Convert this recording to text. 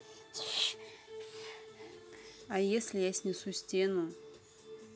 а если я снесу стену